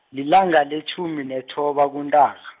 lilanga letjhumi nethoba kuNtaka.